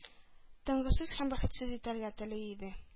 Тынгысыз һәм бәхетсез итәргә тели иде...